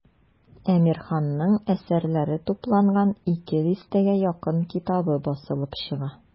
Әмирханның әсәрләре тупланган ике дистәгә якын китабы басылып чыга.